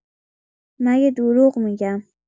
مگه دروغ می‌گم؟